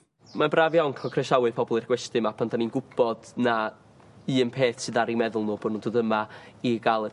Mae'n braf iawn ca'l croesawu pobol i'r gwesty 'ma pan dan ni'n gwbod na un peth sydd ar 'u meddwl n'w bo' nw'n dod yma i ga'l...